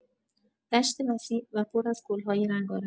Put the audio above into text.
دشت وسیع و پر از گل‌های رنگارنگ